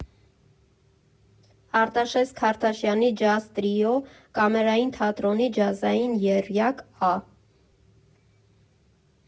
Արտաշես Քարթալյանի ջազ տրիո Կամերային թատրոնի ջազային եռյակ Ա.